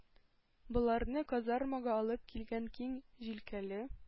Боларны казармага алып килгән киң җилкәле,